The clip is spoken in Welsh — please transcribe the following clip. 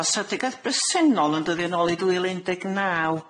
Ma'r stradegaeth bresennol yn dyddio yn ôl i dwy fil un deg naw,